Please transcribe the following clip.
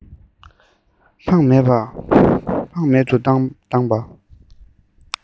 ཕངས མེད དུ བཏང པ